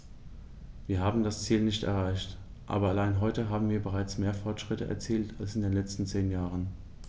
Wir haben das Ziel nicht erreicht, aber allein heute haben wir bereits mehr Fortschritte erzielt als in den letzten zehn Jahren.